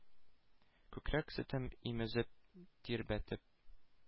Күкрәк сөтем имезеп, тирбәтеп,